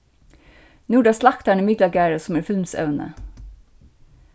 nú er tað slaktarin í miklagarði sum er filmsevnið